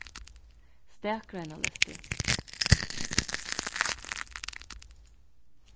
stakgreinalestur